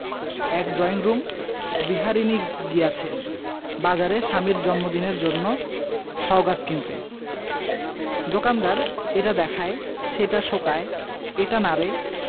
এক ড্রইংরুম বিহারীণী গিয়াছেন বাজারে স্বামীর জন্মদিনের জন্য সওগাত কিনতে দোকানদার এটা দেখায় সেটা শোঁকায় এটা নাড়ে